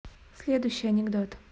следующий анекдот